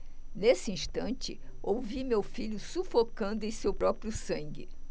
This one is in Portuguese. nesse instante ouvi meu filho sufocando em seu próprio sangue